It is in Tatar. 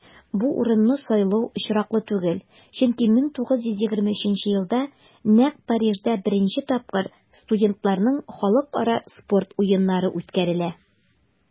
Бу урынны сайлау очраклы түгел, чөнки 1923 елда нәкъ Парижда беренче тапкыр студентларның Халыкара спорт уеннары үткәрелә.